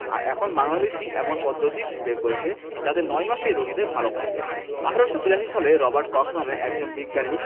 আর এখন বাংলাদেশই এমন পদ্ধতি বের করেছে যাতে ৯ মাসেই রোগীদের ভালো করা যায় ১৮৮২ সালে রবার্ট কক্স নামে একজন বিজ্ঞানী